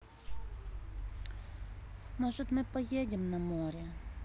может мы не поедем на море